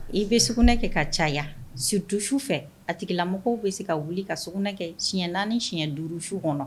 I bɛ sugunɛɛ kɛ ka caya si dusu su fɛ a tigikila mɔgɔw bɛ se ka wuli ka sogo kɛ si naani siɲɛ duuruurusu kɔnɔ